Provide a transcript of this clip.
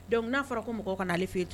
Dɔnku n'a fɔra ko mɔgɔw kanaale'e ten